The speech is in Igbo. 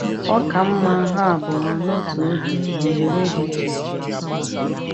Ọ kacha mma ha abụọ n’otu oge n’oghere dị iche iche.